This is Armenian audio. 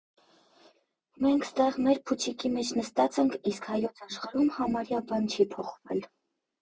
֊ Մենք ստեղ մեր փուչիկի մեջ նստած ենք, իսկ Հայոց աշխարհում համարյա բան չի փոխվել։